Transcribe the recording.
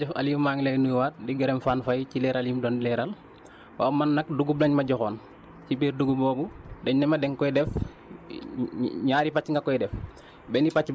waaw jërëjëf Aliou maa ngi lay nuyuwaat di gërëm Fane Faye ci leeral yim doon leeral waaw man nag dugub lañ ma joxoon ci biir dugub boobu dañ ne ma da nga koy def ñaari pàcc nga koy def